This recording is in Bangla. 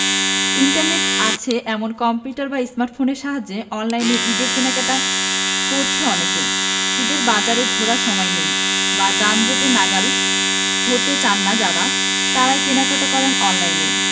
ইন্টারনেট আছে এমন কম্পিউটার বা স্মার্টফোনের সাহায্যে অনলাইনে ঈদের কেনাকাটা করছে অনেকে ঈদের বাজারে ঘোরার সময় নেই বা যানজটে নাগাল হতে চান না যাঁরা তাঁরাই কেনাকাটা করেন অনলাইনে